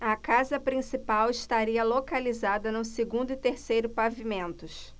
a casa principal estaria localizada no segundo e terceiro pavimentos